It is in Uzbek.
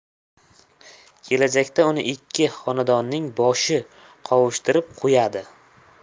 kelajakda uni ikki xonadonning boshini qovushtirib qo'yadi